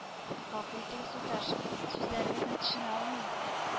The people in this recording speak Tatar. - гафу итегез, туташ, сүзләрегезне тешенә алмыйм